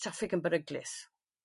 Traffig yn beryglus.